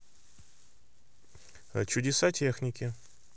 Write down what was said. чудеса техники